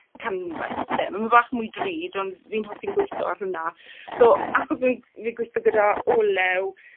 canfas 'de. Ma' fe bach mwy drud on' fi'n hoffi'n gweitho ar hwnna. So achos bo' yn fi gweitho gyda olew